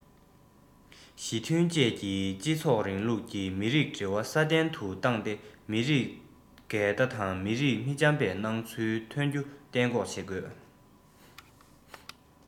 ཞི མཐུན བཅས ཀྱི སྤྱི ཚོགས རིང ལུགས ཀྱི མི རིགས འབྲེལ བ སྲ བརྟན དུ བཏང སྟེ མི རིགས འགལ ཟླ དང མི རིགས མི འཆམ པའི སྣང ཚུལ ཐོན རྒྱུ གཏན འགོག བྱེད དགོས